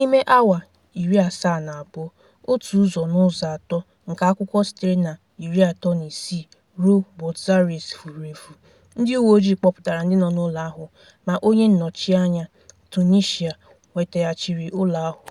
N'ime awa 72, otu ụzọ n'ụzọ atọ nke akwụkwọ sitere na 36 rue Botzaris furu efu, ndị uweojii kpọpụtara ndị nọ n'ụlọ ahụ ma onye nnọchianya (Tunisia) nweteghachiri ụlọ ahụ.